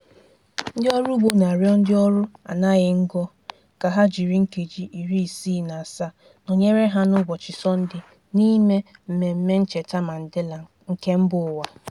Ndị ọrụugbo na-arịọ ndị ọrụ anaghị ngo ka ha jiri nkeji 67 nọnyere ha n'ụbọchị Sọndee n'ime mmemmé Ncheta Mandela nke Mbaụwa.